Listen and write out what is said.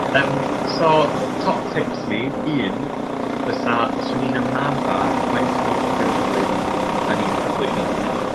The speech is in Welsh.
Yym so top tips fi un fysa swn i'n ymarfar faint mor gyflym 'dan ni'n cyflwyno'n hunan.